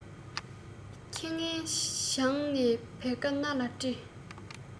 ཁྱི ངན བྱང ན བེར ཀ སྣ ལ བཀྲི